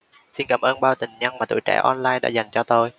xin cảm ơn bao tình thân mà tuổi trẻ online đã dành cho tôi